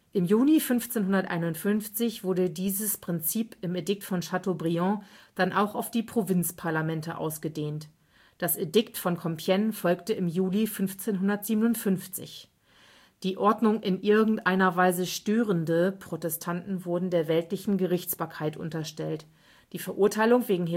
Im Juni 1551 wurde dieses Prinzip im Edikt von Châteaubriand dann auch auf die Provinzparlamente ausgedehnt. Das Edikt von Compiègne folgte im Juli 1557: „ die Ordnung in irgendeiner Weise störende “Protestanten wurden der weltlichen Gerichtsbarkeit unterstellt; die Verurteilung wegen